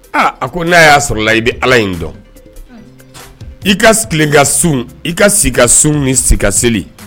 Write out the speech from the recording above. A a ko n'a y'a sɔrɔ la i bɛ ala in dɔn i ka tile ka sun i ka si ka sun ni si ka seli